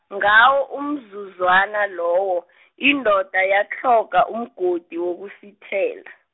ngawo umzuzwana lowo , indoda yatlhoga umgodi wokusithela.